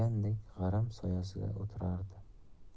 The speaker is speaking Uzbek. bo'lgandek g'aram soyasiga o'tirardi